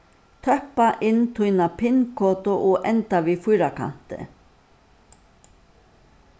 tøppa inn tína pin-kodu og enda við fýrakanti